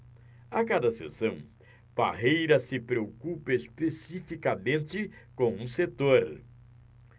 a cada sessão parreira se preocupa especificamente com um setor